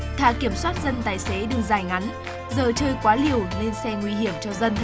thà kiểm soát dân tài xế đường dài ngắn giờ chơi quá liều nên xe nguy hiểm cho dân